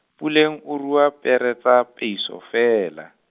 Puleng o rua, pere tsa, peiso feela.